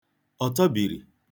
ọtọbiri